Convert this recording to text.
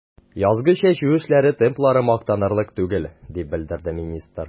Язгы чәчү эшләре темплары мактанырлык түгел, дип белдерде министр.